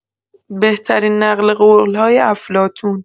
بهترین نقل‌قول‌های افلاطون